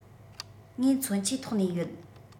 ངས མཚོན ཆའི ཐོག ནས ཡོད